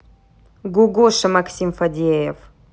гугуша максим фадеев